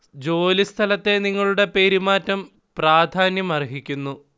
ജോലി സ്ഥലത്തെ നിങ്ങളുടെ പെരുമാറ്റം പ്രാധാന്യം അർഹിക്കുന്നു